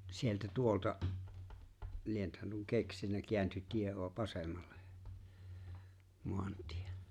sieltä tuolta lienethän nuo keksinyt kääntyi tie - vasemmalle maantie